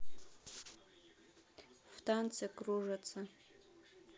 в танце кружатся